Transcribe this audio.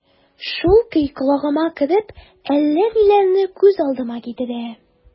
Шул көй колагыма кереп, әллә ниләрне күз алдыма китерә...